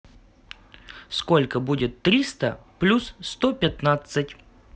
сколько будет триста плюс сто пятнадцать